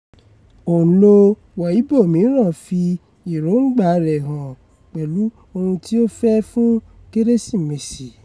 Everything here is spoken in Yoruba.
Òǹlo Weibo mìíràn fi èròǹgbàa rẹ̀ hàn pẹ̀lú ohun tí ó fẹ́ fún Kérésìmesì: